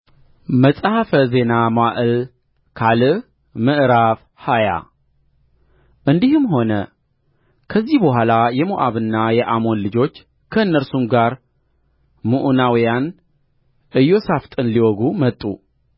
መጽሐፈ ዜና መዋዕል ካልዕ ምዕራፍ ሃያ እንዲህም ሆነ ከዚህ በኋላ የሞዓብና የአሞን ልጆች ከእነርሱም ጋር ምዑናውያን ኢዮሣፍጥን ሊወጉ መጡ